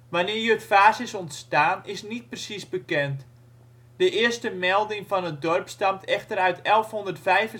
Wanneer Jutphaas is ontstaan, is niet precies bekend; de eerste melding van het dorp stamt echter uit 1165